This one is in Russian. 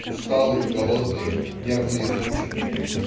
Усталые, голодные, нервноизмученные.